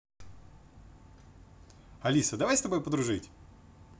алиса давай с тобой дружить